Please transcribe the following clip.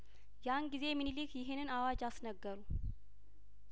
ያን ጊዜ ሚንሊክ ይህንን አዋጅ አስነገሩ